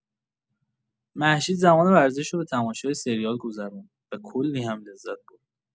مهشید زمان ورزش رو به تماشای سریال گذروند و کلی هم لذت برد.